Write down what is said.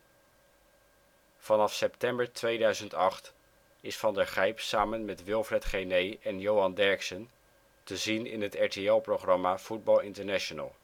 Vanaf september 2008 is Van der Gijp samen met Wilfred Genee en Johan Derksen te zien in het RTL-programma Voetbal International